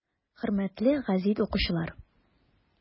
Хөрмәтле гәзит укучылар!